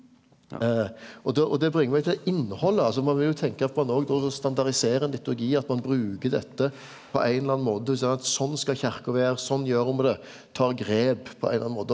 og då og det bringar meg til innhaldet altså ein vil jo tenke at ein nå då standardiserer ein liturgi at ein bruker dette på ein eller annan måte sånn at sånn skal kyrkja vere sånn gjer me det tar grep på ein eller annan måte.